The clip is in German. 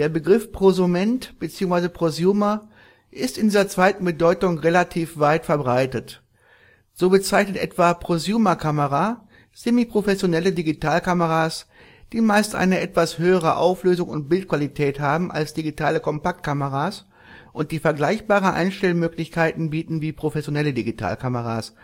Begriff Prosument bzw. Prosumer ist in dieser zweiten Bedeutung relativ weit verbreitet. So bezeichnet etwa Prosumerkamera semiprofessionelle Digitalkameras, die meist eine etwas höhere Auflösung und Bildqualität haben als digitale Kompaktkameras und die vergleichbare Einstellmöglichkeiten bieten wie professionelle Digitalkameras